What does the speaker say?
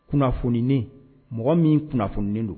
Kunnafoninen, mɔgɔ min kunnafoninen don